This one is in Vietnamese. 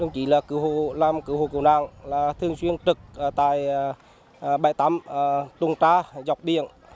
đồng chí là cứu hộ làm cứu hộ cứu nạn là thường xuyên trực tại bãi tắm tuần tra dọc biển